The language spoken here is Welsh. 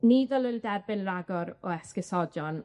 Ni ddylwn derbyn ragor o esgusodion.